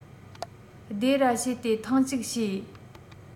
སྡེ ར བྱས ཏེ ཐེངས གཅིག བྱས